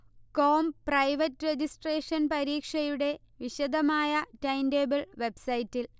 com private registration പരീക്ഷയുടെ വിശദമായ timetable വെബ്സൈറ്റിൽ